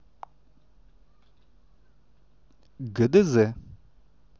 гдз